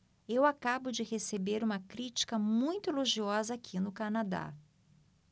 eu acabo de receber uma crítica muito elogiosa aqui no canadá